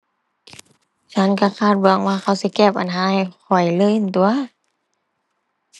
ฉันก็คาดหวังว่าเขาสิแก้ปัญหาให้ข้อยเลยนั้นตั่ว